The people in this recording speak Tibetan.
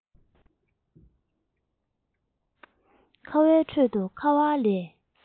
ཁ བའི ཁྲོད དུ ཁ བ ལས